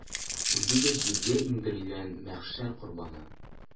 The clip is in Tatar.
Үзе дә җиргә иңдерелгән мәхшәр корбаны.